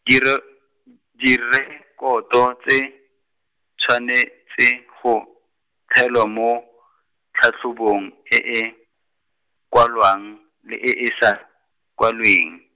dire-, direkoto tse, tshwanetse go, theiwa mo tlhatlhobong e e, kwalwang, le e e sa, kwalweng.